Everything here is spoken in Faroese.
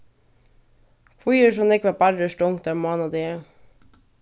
hví eru so nógvar barrir stongdar mánadagar